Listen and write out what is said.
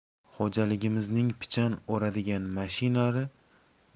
xo'jaligimizning pichan o'radigan mashinalari